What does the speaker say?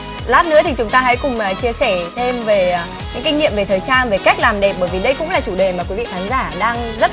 lát nữa thì chúng ta hãy cùng à chia sẻ thêm về à những kinh nghiệm về thời trang về cách làm đẹp bởi vì đây cũng là chủ đề mà quý vị khán giả đang rất